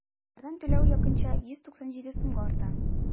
Январьдан түләү якынча 197 сумга арта.